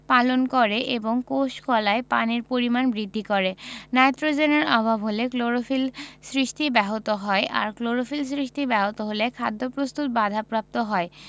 পালন করে এবং কোষ কলায় পানির পরিমাণ বৃদ্ধি করে নাইট্রোজেনের অভাব হলে ক্লোরোফিল সৃষ্টি ব্যাহত হয় আর ক্লোরোফিল সৃষ্টি ব্যাহত হলে খাদ্য প্রস্তুত বাধাপ্রাপ্ত হয়